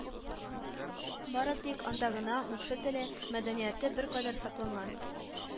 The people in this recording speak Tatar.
Бары тик анда гына мукшы теле, мәдәнияте беркадәр сакланган